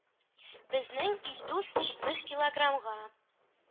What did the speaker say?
Безнең Илдус җитмеш килограммга